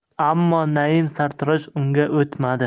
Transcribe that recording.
ammo naim sartarosh unga o'tmadi